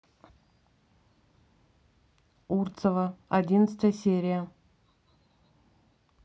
урцева одиннадцатая серия